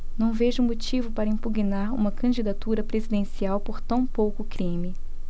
não vejo motivo para impugnar uma candidatura presidencial por tão pouco crime